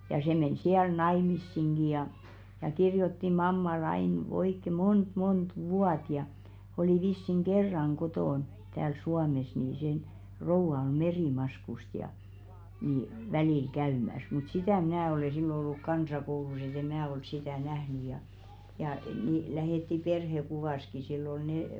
ja se meni siellä naimisiinkin ja ja kirjoitti mammalle aina oikein monta monta vuotta ja oli vissiin kerran kotona täällä Suomessa niin sen rouva oli Merimaskusta ja niin välillä käymässä mutta sitä minä olen silloin ollut kansakoulussa että en minä ole sitä nähnyt ja ja niin lähetti perhekuvansakin sillä oli ne